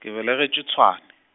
ke belegetšwe Tshwane.